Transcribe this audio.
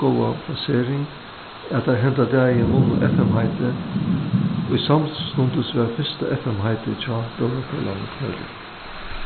góða plasering at teir henda dagin vunnu fm-heitið ið samstundis var fyrsta fm-heitið hjá róðrarfelagnum knørri